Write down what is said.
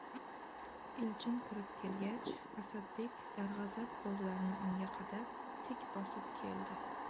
elchin kirib kelgach asadbek darg'azab ko'zlarini unga qadab tik bosib keldi